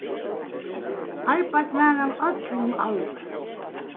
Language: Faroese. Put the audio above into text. arbeitt varð av øllum alvi